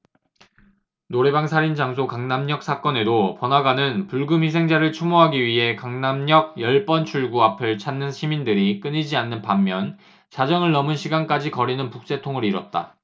노래방 살인 장소 강남역 사건에도 번화가는 불금 희생자를 추모하기 위해 강남역 열 번 출구 앞을 찾는 시민들이 끊이지 않는 반면 자정을 넘은 시간까지 거리는 북새통을 이뤘다